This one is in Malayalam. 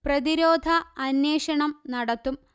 പ്രതിരോധ അന്വേഷണം നടത്തും